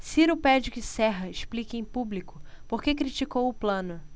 ciro pede que serra explique em público por que criticou plano